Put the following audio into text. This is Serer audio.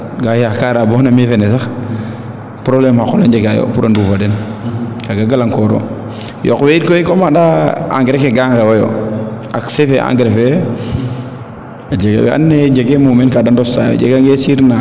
ka yakaara bona mi fene sax probleme xa qol i njega yo pour pour a nduufa den kaaga galang kooro yoq we yit comme engrais ke ga ngewo yo accés fe engrais fee a jega ka an naye jege muumeen ka de ndos taayo o jega nge siir naak